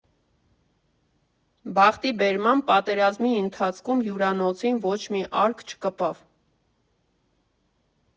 Բախտի բերմամբ պատերազմի ընթացքում հյուրանոցին ոչ մի արկ չկպավ։